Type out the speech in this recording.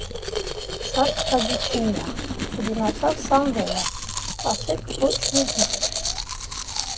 ֊ Շատ լագիչնի ա, ֊ չդիմացավ Սամվելը, ֊ ասենք, ոչ մի հիմք…